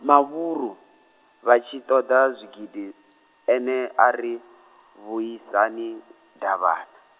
mavhuru, vha tshi ṱoḓa zwigidi, ene ari , vhuisani, Davhana.